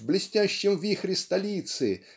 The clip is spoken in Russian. в блестящем вихре столицы